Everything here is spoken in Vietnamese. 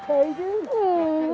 thấy chứ